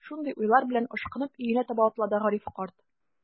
Шундый уйлар белән, ашкынып өенә таба атлады Гариф карт.